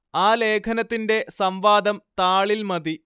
ആ ലേഖനത്തിന്റെ സം‌വാദം താളില്‍ മതി